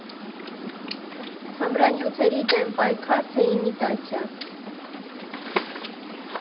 Թմրանյութերի դեմ պայքա՞ր, թե՞ իմիտացիա։